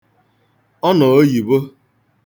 ọnà oyìbo